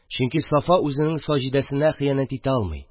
Чөнки Сафа үзенең Саҗидәсенә хыянәт итә алмый